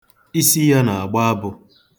Isi ya na-agba abụ.